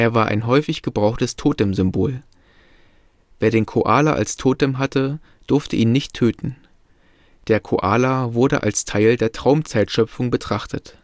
war ein häufig gebrauchtes Totemsymbol. Wer den Koala als Totem hatte, durfte ihn nicht töten. Der Koala wurde als Teil der Traumzeitschöpfung betrachtet